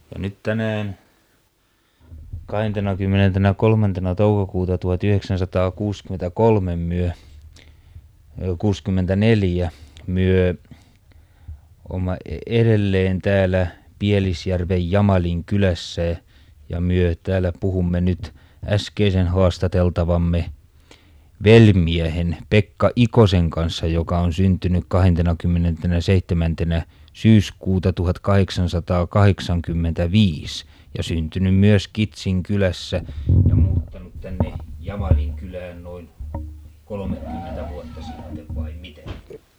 ja nyt tänään kahdentenakymmenentenäkolmantena toukokuuta tuhatyhdeksänsataakuusikymmentäkolme me kuusikymmentäneljä me olemme - edelleen täällä Pielisjärven Jamalin kylässä ja me täällä puhumme nyt äskeisen haastateltavamme velimiehen Pekka Ikosen kanssa joka on syntynyt kahdentenakymmenentenäseitsemäntenä syyskuuta tuhatkahdeksansataakahdeksankymmentäviisi ja syntynyt myös Kitsin kylässä ja muuttanut tänne Jamalin kylään noin kolmekymmentä vuotta sitten vai miten